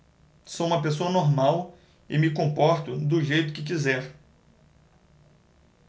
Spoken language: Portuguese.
sou homossexual e me comporto do jeito que quiser